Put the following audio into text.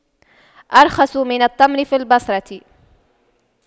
أرخص من التمر في البصرة